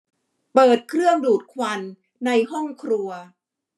เปิดเครื่องดูดควันในห้องครัว